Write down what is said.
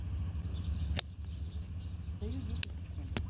даю десять секунд